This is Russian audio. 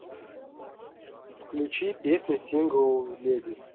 включи песню сингл ледис